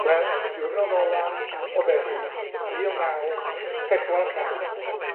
Wel, ar y diwrnod ola o Fedi, mil naw pedwar naw,